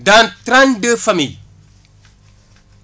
dans trente deux famille